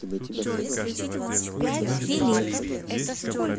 филипп